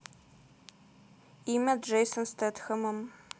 имя джейсон стэтхэмом